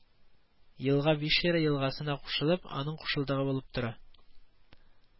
Елга Вишера елгасына кушылып, аның кушылдыгы булып тора